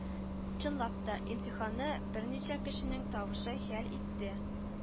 Чынлап та, имтиханны берничә кешенең тавышы хәл итте